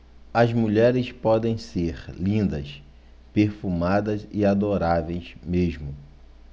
as mulheres podem ser lindas perfumadas e adoráveis mesmo